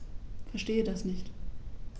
Verstehe das nicht.